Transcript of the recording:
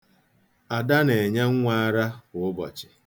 Ada na-enye nwa ya ara kwa ụbọchị.